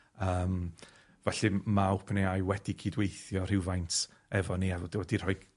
yym felly ma' Open Ay Eye wedi cydweithio rhywfaint efo ni a my-